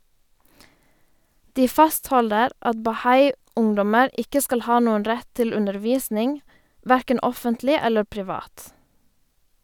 De fastholder at bahai- ungdommer ikke skal ha noen rett til undervisning, hverken offentlig eller privat.